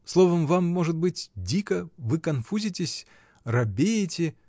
Словом, вам, может быть, дико: вы конфузитесь, робеете.